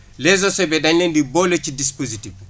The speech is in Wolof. les OCB dañu leen di boole ci dispositif bi